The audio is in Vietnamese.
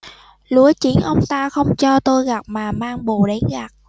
lúa chín ông ta không cho tôi gặt mà mang bồ đến gặt